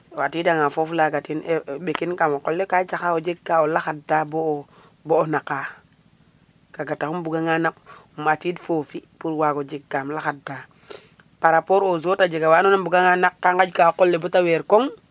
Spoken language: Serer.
O atiidanga foof laga tin o ɓekin kam o qol le ka taxa o jeg ka o laxadtaa bo bo naaqa kaaga taxu bugangaa naq um atiid foofi pour waag o jeg kaam laxadta parapport aux autres a jega wa andoona yee a mbugangaa naq ka nqaƴka o qol le bata weer koŋ,